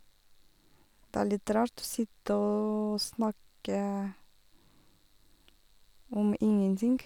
Det er litt rart å sitte og snakke om ingenting.